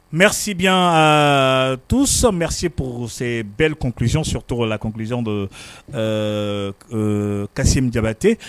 Merci bien à tous merci pour ces nelles conclusions surtout la conclusion de euh k euh Kassim Diabaté